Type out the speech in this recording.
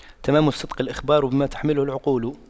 تمام الصدق الإخبار بما تحمله العقول